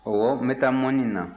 ɔwɔ n bɛ taa mɔnni na